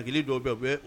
Hakili dɔw bɛ